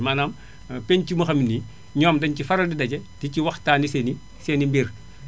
maanaam penc moo xam ne ne nii ñoom dañu ciy faral di daje di ci waxtaanee seen i seen i mbir